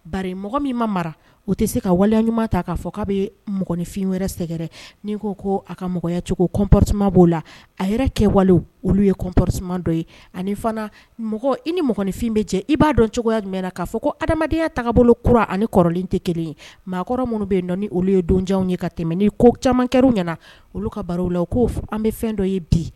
Ba mɔgɔ min ma mara u tɛ se ka waleya ɲuman ta k'a fɔ k kaa bɛ mɔgɔninfin wɛrɛ sɛgɛrɛ n ko ko a ka mɔgɔyacogo kɔnmptima b'o la a yɛrɛ kɛ wale olu ye kɔnpsiman dɔ ye ani fana mɔgɔ i ni mɔgɔninfin bɛ cɛ i b'a dɔncogoya jumɛn bɛ na k'a fɔ ko ha adamadenyaya taabolo bolo kura ani ni kɔrɔlen tɛ kelen ye maakɔrɔ minnu bɛ yen dɔn ni olu ye donjanw ye ka tɛmɛ ni ko camankɛ ɲɛna olu ka baro la k'o an bɛ fɛn dɔ ye bi